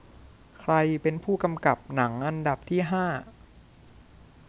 ใครเป็นผู้กำกับหนังอันดับห้า